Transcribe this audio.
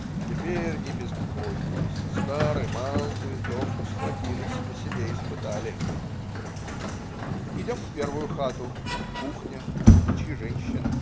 Теперь не беспокойтесь, и стар и мал за винтовку схватились, на себе испытали. " Идем в первую хату. Кухня, у печи - женщина.